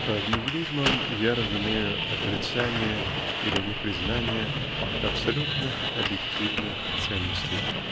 Под нигилизмом я разумею отрицание или непризнание абсолютных (объективных) ценностей.